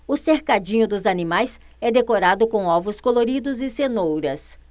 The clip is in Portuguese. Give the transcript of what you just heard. o cercadinho dos animais é decorado com ovos coloridos e cenouras